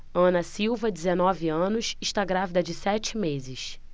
ana silva dezenove anos está grávida de sete meses